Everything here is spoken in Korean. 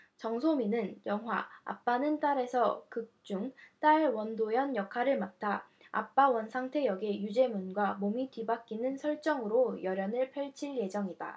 정소민은 영화 아빠는 딸에서 극 중 딸 원도연 역할을 맡아 아빠 원상태 역의 윤제문과 몸이 뒤바뀌는 설정으로 열연을 펼칠 예정이다